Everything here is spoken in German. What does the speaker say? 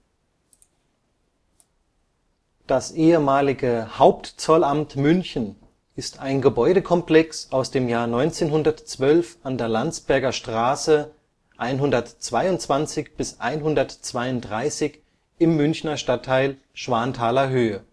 Das ehemalige Hauptzollamt München ist ein Gebäudekomplex aus dem Jahr 1912 an der Landsberger Straße 122 – 132 im Münchner Stadtteil Schwanthalerhöhe